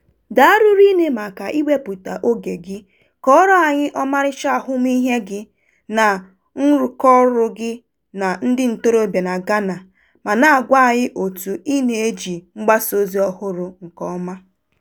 Daalụ rinne maka iwepụta oge gị kọọrọ anyị ọmarịcha ahụmihe gị na nrụkọọrụ gị na ndị ntorobịa na Ghana ma na-agwa anyị otu ị na-eji mgbasaozi ọhụrụ nke ọma.